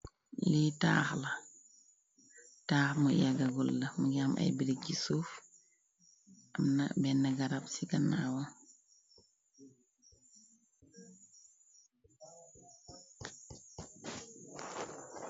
Lii taax la taax mu yagagol la mu ngaam ay birig ci suuf. Amna benn garab ci kannaawa.